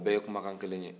o bɛɛ ye kumakan kelen ye